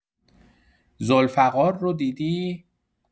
ذوالفقار رو دیدی؟